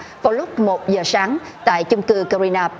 vào lúc một giờ sáng tại chung cư ca ri la va